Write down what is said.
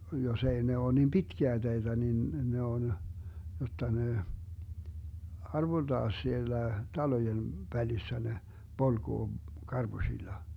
jos ei ne ole niin pitkiä teitä niin ne on jotta ne arvoltaan siellä talojen välissä ne polkee karpusilla